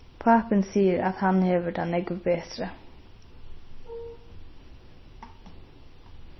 pápin sigur at hann hevur tað nógv betri